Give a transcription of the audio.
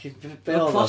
B- b- be oedd o?